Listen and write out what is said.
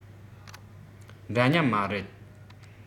འདྲ མཉམ མ རེད